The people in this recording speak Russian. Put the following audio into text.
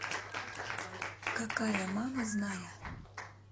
какая мама зная